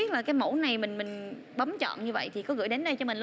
là cái mẫu này mình mình bấm chọn như vậy thì cứ gửi đến đây cho mình